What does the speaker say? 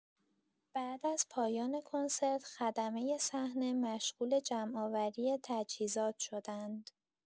بعد از پایان کنسرت، خدمه صحنه مشغول جمع‌آوری تجهیزات شدند.